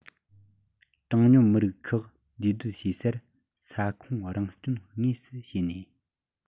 གྲངས ཉུང མི རིགས ཁག འདུས སྡོད བྱེད སར ས ཁོངས རང སྐྱོང དངོས སུ བྱས ནས